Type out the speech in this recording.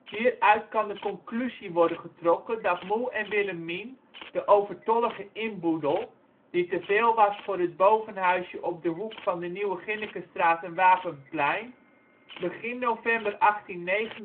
Hieruit kan de conclusie worden getrokken dat Moe en Willemien de overtollige inboedel (die teveel was voor het bovenhuisje op de hoek van de Nieuwe Ginnekenstraat en Wapenplein) begin november 1889